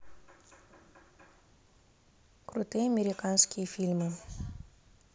крутые американские фильмы